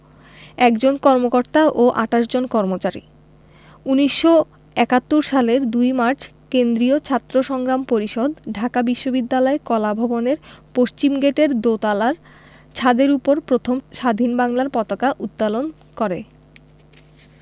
১ জন কর্মকর্তা ও ২৮ জন কর্মচারী ১৯৭১ সালের ২ মার্চ কেন্দ্রীয় ছাত্র সংগ্রাম পরিষদ ঢাকা বিশ্ববিদ্যালয় কলাভবনের পশ্চিমগেটের দোতলার ছাদের উপর প্রথম স্বাধীন বাংলার পতাকা উত্তোলন করে